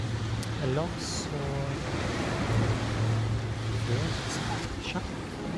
Ellers så likte jeg før å spille sjakk.